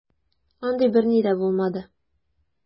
Андый берни дә булмады.